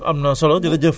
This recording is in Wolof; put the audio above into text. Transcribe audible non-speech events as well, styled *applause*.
*breath* voilà loolu